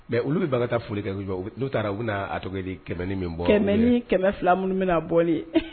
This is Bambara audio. Mɛ olu bɛ barika taa foli kɛ jɔ n'u taara u na a tɔgɔ di kɛmɛ ni min bɔ kɛmɛ ni kɛmɛ fila minnu bɛna bɔ